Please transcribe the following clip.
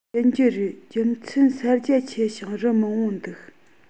ཡིན རྒྱུ རེད རྒྱུ མཚན ས རྒྱ ཆེ ཞིང རི མང པོ འདུག